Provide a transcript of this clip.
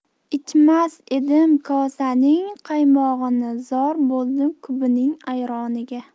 ichmas edim kosaning qaymog'ini zor bo'ldim kubining ayroniga